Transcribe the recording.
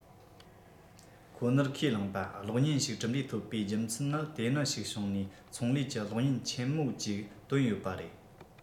ཁོ ནར ཁས བླངས པ གློག བརྙན ཞིག གྲུབ འབྲས ཐོབ པའི རྒྱུ མཚན ནི དེ ནི ཞིག བྱུང ནས ཚོང ལས ཀྱི གློག བརྙན ཆེན མོ ཅིག བཏོན ཡོད པ རེད